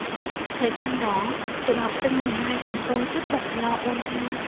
thời gian đó tụi học sinh mười hai chúng tôi tất bật lo ôn thi